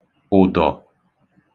ụ̀dọ̀